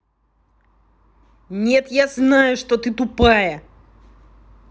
нет я знаю что ты тупая